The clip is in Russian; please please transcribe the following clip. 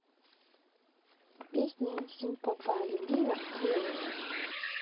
песня симпа па па любила оленина